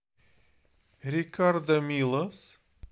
рикардо милос